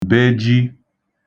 beji